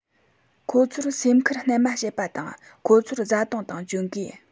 ཁོ ཚོར སེམས ཁུར རྣལ མ བྱེད པ དང ཁོ ཚོར བཟའ བཏུང དང གྱོན གོས